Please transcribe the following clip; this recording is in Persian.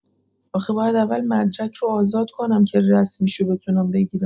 آخه باید اول مدرک رو آزاد کنم که رسمیشو بتونم بگیرم!